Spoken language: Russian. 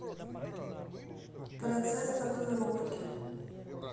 процесс татуировки